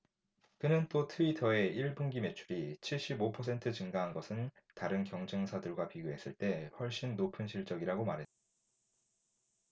그는 또 트위터의 일 분기 매출이 칠십 오 퍼센트 증가한 것은 다른 경쟁사들과 비교했을 때 훨씬 높은 실적이라고 말했다